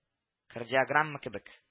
— кардиограмма кебек…